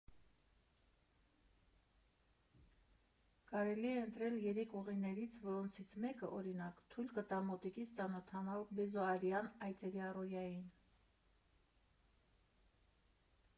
Կարելի է ընտրել երեք ուղիներից, որոնցից մեկը, օրինակ, թույլ կտա մոտիկից ծանոթանալ բեզոարյան այծերի առօրյային։